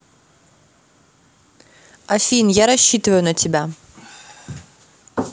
афин я рассчитываю на тебя